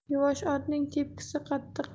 yuvvosh otning tepkisi qattiq